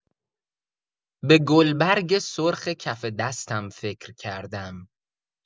به گلبرگ سرخ کف دستم فکر کردم.